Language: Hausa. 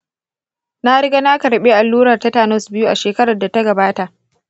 na riga na karɓi allurar tetanus biyu a shekarar da ta gabata.